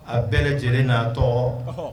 A bɛɛ lajɛlen nattɔ